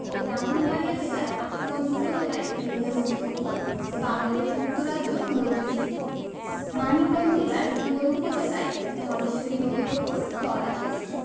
ও ব্রাহ্মণবাড়িয়া জেলার আশুগঞ্জ উপজেলায় মেঘনা নদীর উপর বাংলাদেশ যুক্তরাজ্য মৈত্রী সেতু মানিকগঞ্জ জেলার ঘিওর উপজেলায় ধলেশ্বরী নদীর উপর ত্বরা সেতু